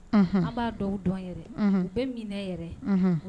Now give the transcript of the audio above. An ba dɔnw dɔn yɛrɛ . Unhun U bɛ minɛ yɛrɛ.